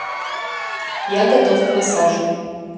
я готов к массажу